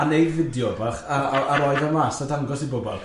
A neud fideo bach, a a a rhoi fe mas a dangos i bobol.